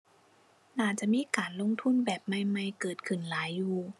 น่าจะมีการลงทุนแบบใหม่ใหม่เกิดขึ้นหลายอยู่